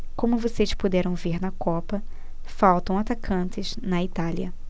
como vocês puderam ver na copa faltam atacantes na itália